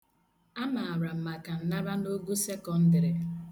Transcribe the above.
Amara m maka nnara n'ogo sekọndịrị.